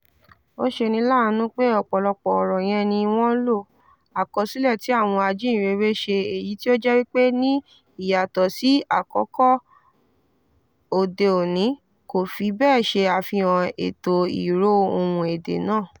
Ó ṣeni láàánú, pé ọ̀pọ̀lọpọ̀ ọ̀rọ̀ yẹn ni wọ́n lo àkọsílẹ̀ tí àwọn ajíìnrere ṣe èyí tí ó jẹ́ wípé, ní ìyàtọ̀ sí àkọ́kọ́ òde òní, kò fi bẹ́ẹ̀ ṣe àfihàn ètò ìró ohùn èdè náà.